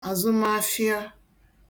àzụmafhịa